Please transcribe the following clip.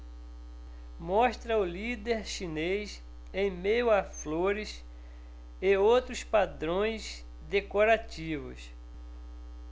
mostra o líder chinês em meio a flores e outros padrões decorativos